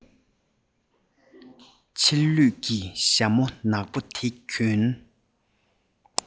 རྗེས ལུས ཀྱི ཞྭ མོ ནག པོ དེ གྱོན